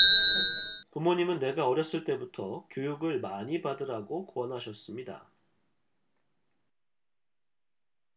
부모님은 내가 어렸을 때부터 교육을 많이 받으라고 권하셨습니다